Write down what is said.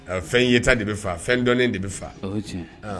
Ɔn fɛn ye tan de bɛ faa fɛn dɔn de bɛ faa. O ye tiɲɛ ye.